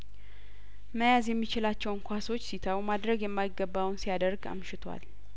መያዝ የሚችላቸውን ኳሶች ሲተው ማድረግ የማይገባውን ሲያደርግ አምሽቷል